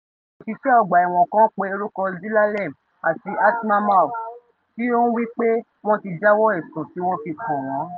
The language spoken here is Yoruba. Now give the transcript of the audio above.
Òṣìṣẹ́ ọgbà ẹ̀wọ̀n kan pe orúkọ Zelalem àti Asmamaw, tí ó ń wí pé wọ́n ti jáwọ́ ẹ̀sùn tí wọ́n fi kàn wọ́n.